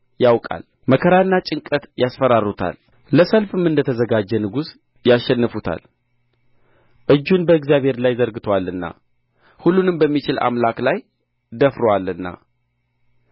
ያውቃል መከራና ጭንቀት ያስፈራሩታል ለሰልፍ እንደ ተዘጋጀ ንጉሥ ያሸንፉታል እጁን በእግዚአብሔር ላይ ዘርግቶአልና ሁሉንም በሚችል አምላክ ላይ ደፍሮአልና